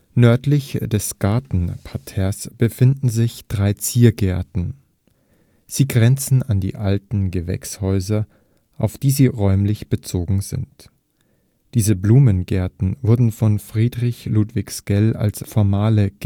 Nördlich des Gartenparterres befinden sich drei Ziergärten. Sie grenzen an die alten Gewächshäuser, auf die sie räumlich bezogen sind. Diese Blumengärten wurden von Friedrich Ludwig Sckell als formale